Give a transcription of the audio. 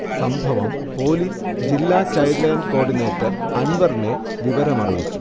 സംഭവം പൊലീസ് ജില്ലാ child line‍ coordinator അൻവറിനെ വിവരമറിയിച്ചു